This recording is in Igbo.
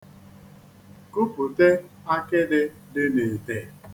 Kupute akịdị dị n'ite.